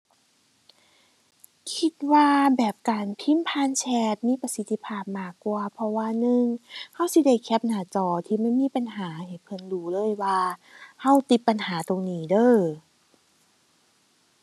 คิดว่าแบบการพิมพ์ผ่านแชตมีประสิทธิภาพมากกว่า เพราะว่าหนึ่งเราสิได้แคปหน้าจอที่มันมีปัญหาให้เพิ่นดูเลยว่าเราติดปัญหาตรงนี้เด้อ